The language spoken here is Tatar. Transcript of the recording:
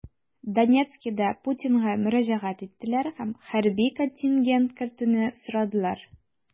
Донецкида Путинга мөрәҗәгать иттеләр һәм хәрби контингент кертүне сорадылар.